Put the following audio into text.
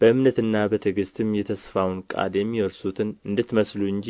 በእምነትና በትዕግሥትም የተስፋውን ቃል የሚወርሱትን እንድትመስሉ እንጂ